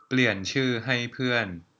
เปลี่ยนชื่อให้เพื่อน